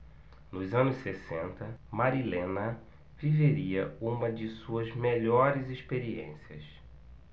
nos anos sessenta marilena viveria uma de suas melhores experiências